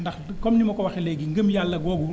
ndax du comme ni ma ko waxee léegi nii ngëm yàlla googu